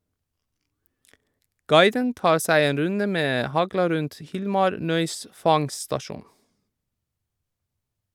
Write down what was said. Guiden tar seg en runde med hagla rundt Hilmar Nøis' fangststasjon.